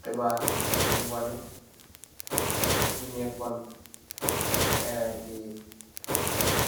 Heebar bi mungi wanè nu nekkun NIA